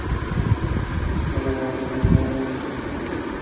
животные южной америки